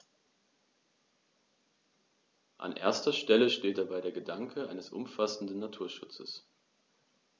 An erster Stelle steht dabei der Gedanke eines umfassenden Naturschutzes.